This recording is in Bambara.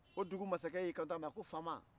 o dugu mansakɛ y'i kanto a ma ko faama